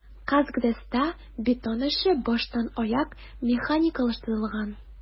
"казгрэс"та бетон эше баштанаяк механикалаштырылган.